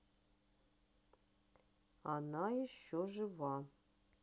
она еще жива